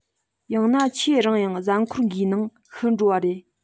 ཡང ན ཆེས རིང ཡང གཟའ འཁོར འགའི ནང ཤི འགྲོ བ རེད